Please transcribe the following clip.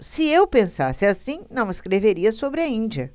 se eu pensasse assim não escreveria sobre a índia